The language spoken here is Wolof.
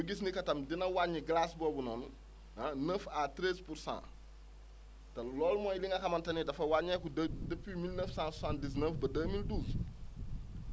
ñu gis ni que tam dina wàññi glace boobu noonu ah neuf à treize pour cent te loolu mooy li nga xamante ne dafa wàññeeku de depuis mille neuf cent soixante dix neuf ba deux mille douze